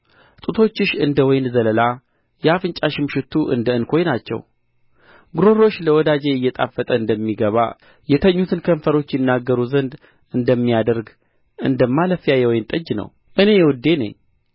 ጡቶችሽ እንደ ወይን ዘለላ የአፍንጫሽም ሽቱ እንደ እንኮይ ናቸው ጕሮሮሽ ለወዳጄ እየጣፈጠ እንደሚገባ የተኙትን ከንፈሮች ይናገሩ ዘንድ እንደሚያደርግ እንደ ማለፊያ የወይን ጠጅ ነው እኔ የውዴ ነኝ